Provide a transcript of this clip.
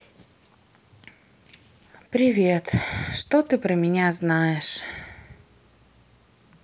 привет что ты про меня знаешь